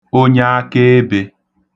onyaakeebē